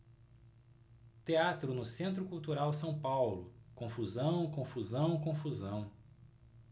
teatro no centro cultural são paulo confusão confusão confusão